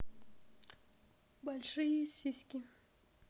большие сиськи